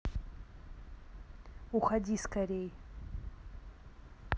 уходи скорей